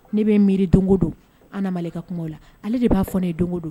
Ne bɛ miiri don don ka kungo la ale de b'a fɔ ne ye don don